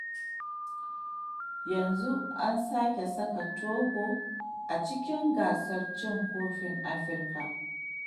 Yanzu an sake saka Togo a cikin Gasar Cin Kofin Afirka.